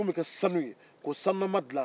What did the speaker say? o tun bɛ kɛ sanu ye